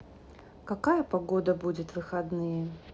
какая погода будет в выходные